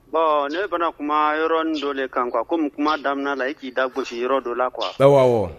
Bɔn ne fana kuma yɔrɔin dɔ de kan kuwa ko mun kuma da la i k'i da gosi yɔrɔ dɔ la qu